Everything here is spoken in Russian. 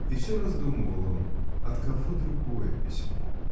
И всё раздумывал он: от кого другое письмо?